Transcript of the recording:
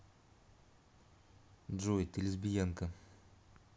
джой ты лесбиянка